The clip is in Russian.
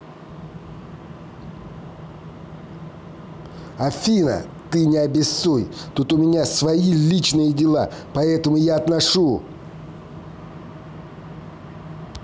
афина ты не обисуй тут у меня свои личные дела поэтому я отношу